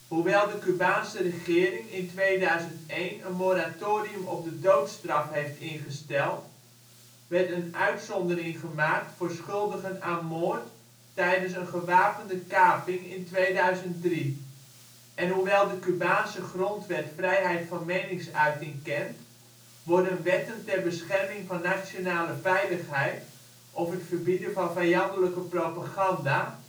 Hoewel de Cubaanse regering in 2001 een moratorium op de doodstraf heeft ingesteld, werd een uitzondering gemaakt voor schuldigen aan moord tijdens een gewapende kaping in 2003. En hoewel de Cubaanse grondwet vrijheid van meningsuiting kent, worden wetten ter bescherming van nationale veiligheid of het verbieden van ' vijandelijke propaganda